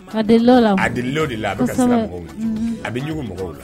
A delil'o de la, a delil'o de la a bɛ ɲugun mɔgɔw la